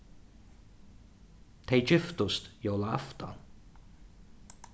tey giftust jólaaftan